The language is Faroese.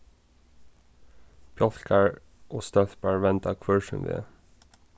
bjálkar og stólpar venda hvør sín veg